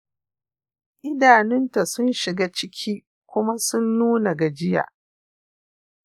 idanunta sun shiga ciki kuma suna nuna gajiya.